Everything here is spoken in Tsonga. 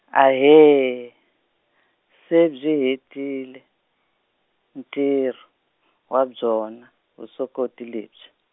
ahee, se byi hetile, ntirho, wa byona, vusokoti lebyi.